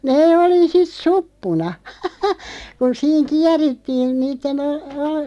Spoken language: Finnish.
ne oli sitten suppuna kun siinä kierittiin niiden --